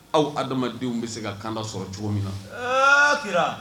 Aw adamadenw bɛ se ka kanda sɔrɔ cogo min na kira